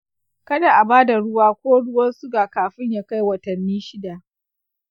kada a ba da ruwa ko ruwan suga kafin ya kai watanni shida.